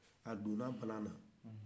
a donna bana na